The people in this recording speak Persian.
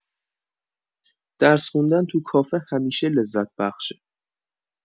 درس خوندن تو کافه همیشه لذت‌بخشه